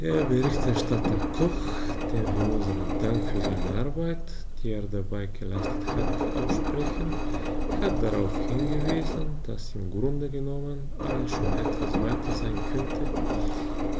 Der Berichterstatter Koch, dem wir unseren Dank für seine Arbeit, die er dabei geleistet hat, aussprechen, hat darauf hingewiesen, dass im Grunde genommen alles schon etwas weiter sein könnte,